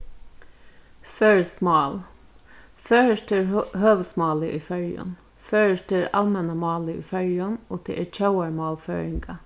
føroyskt mál føroyskt er høvuðsmálið í føroyum føroyskt er almenna málið í føroyum og tað er tjóðarmál føroyinga